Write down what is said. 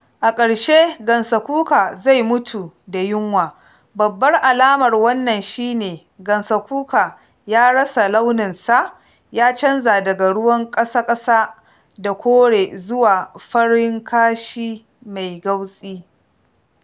A ƙarshe gansakuka zai mutu da yunwa; babbar alamar wannan shi ne gansakuka ya rasa launinsa, ya canja daga ruwan ƙasa-ƙasa da kore zuwa farin ƙashi mai gautsi.